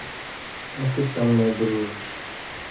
а ты со мной дружишь